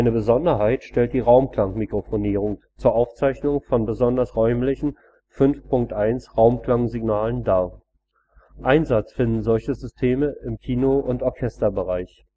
Besonderheit stellt die Raumklang-Mikrofonierung zur Aufzeichnung von besonders räumlichen 5.1-Raumklangsignalen dar. Einsatz finden solche Systeme im Kino - und Orchesterbereich